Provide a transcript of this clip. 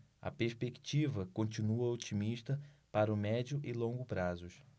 a perspectiva continua otimista para o médio e longo prazos